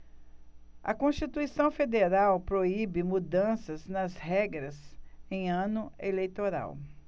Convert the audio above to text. a constituição federal proíbe mudanças nas regras em ano eleitoral